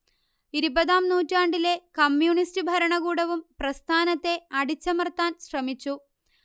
ഇരുപതാം നൂറ്റാണ്ടിലെ കമ്മ്യൂണിസ്റ്റു ഭരണകൂടവും പ്രസ്ഥാനത്തെ അടിച്ചമർത്താൻ ശ്രമിച്ചു